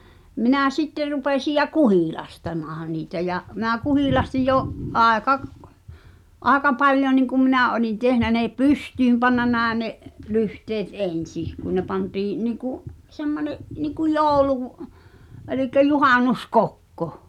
minä sitten rupesin ja kuhilastamaan niitä ja minä kuhilastin jo aika - aika paljon niin kuin minä olin tehnyt ne pystyyn pannut näin ne lyhteet ensin kun ne pantiin niin kuin semmoinen niin kuin joulu eli juhannuskokko